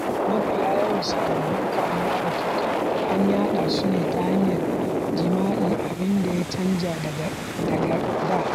Mafiya yawan sababbin kamuwa da cutar an yaɗa su ne ta hanyar jima'i, abin da ya canja daga da.